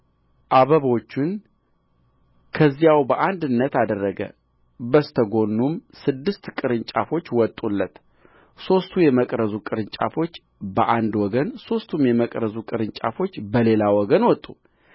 አበቦቹን ከዚያው በአንድነት አደረገ በስተ ጎኑም ስድስት ቅርንጫፎች ወጡለት ሦስቱ የመቅረዙ ቅርንጫፎች በአንድ ወገን ሦስቱም የመቅረዙ ቅርንጫፎች በሌላ ወገን ወጡ